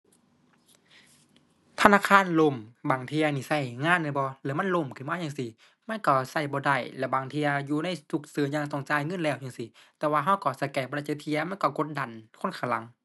ธนาคารล่ม บางเที่ยหนิใช้งานเนี่ยบ่ แล้วมันล่มขึ้นมาจั่งซี้ มันก็ก็บ่ได้ แล้วบางเที่ยอยู่ในทุกซื้อหยังต้องจ่ายเงินแล้วจั่งซี้ แต่ว่าก็ก็สแกนบ่ได้จักเที่ย มันก็กดดันคนข้างหลัง